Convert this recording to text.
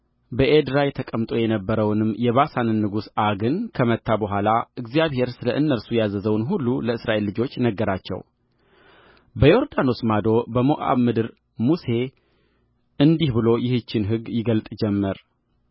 በኤድራይ ተቀምጦ የነበረውን የባሳንን ንጉሥ ዐግን ከመታ በኋላ እግዚአብሔር ስለ እነርሱ ያዘዘውን ሁሉ ለእስራኤል ልጆች ነገራቸውበዮርዳኖስ ማዶ በሞዓብ ምድር ሙሴ እንዲህ ብሎ ይህችን ሕግ ይገልጥ ጀመር